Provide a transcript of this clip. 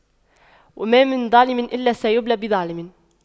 ما من ظالم إلا سيبلى بظالم